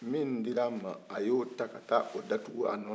min dira a man y'o ta ka taa da tugu a nɔ na